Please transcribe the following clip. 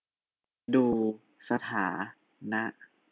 ดูสถานะ